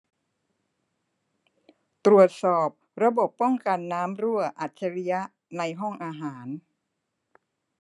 ตรวจสอบระบบป้องกันน้ำรั่วอัจฉริยะในห้องอาหาร